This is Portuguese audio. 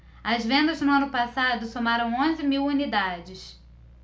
as vendas no ano passado somaram onze mil unidades